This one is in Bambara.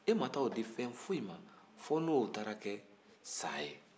e ma taa o di fɛn fosi ma fo n'o kɛra sa ye